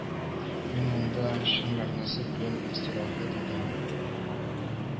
Мин монда чын мәгънәсе белән истирахәт итәм